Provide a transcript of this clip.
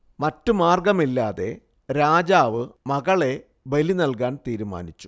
മറ്റു മാർഗ്ഗമില്ലാതെ രാജാവ് മകളെ ബലി നൽകാൻ തീരുമാനിച്ചു